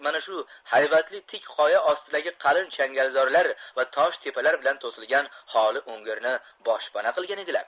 mana shu haybatli tik qoya ostidagi qalin changalzorlar va toshtepalar bilan to'silgan xoli o'ngimi boshpana qilgan edilar